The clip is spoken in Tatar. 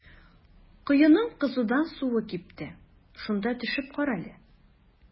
Коеның кызудан суы кипте, шунда төшеп кара әле.